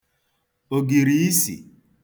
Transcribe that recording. ògìrìisì